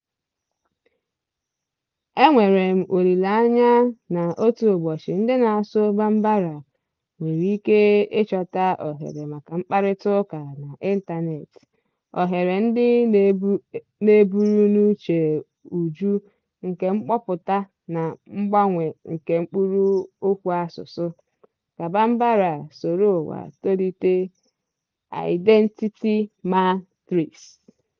E nwere m olileanya na otu ụbọchị, ndị na-asụ Bambara nwere ike ịchọta oghere maka mkparịtaụka n'ịntaneetị, oghere ndị na-eburu n'uche uju nke mkpọpụta na mgbanwe nke mkpụrụokwu asụsụ, ka Bambara soro ụwa tolite #identitymatrix.